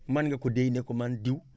mën nga ko déye ne ko man diw